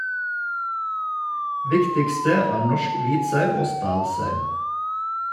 Viktigste er Norsk hvit sau og Spælsau.